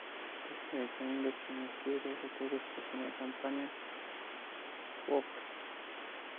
disney shuningdek kinostudiyaga tegishli kinokompaniya fox